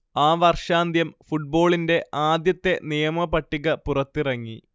ആ വർഷാന്ത്യം ഫുട്ബോളിന്റെ ആദ്യത്തെ നിയമ പട്ടിക പുറത്തിറങ്ങി